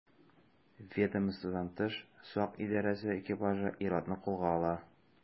Ведомстводан тыш сак идарәсе экипажы ир-атны кулга ала.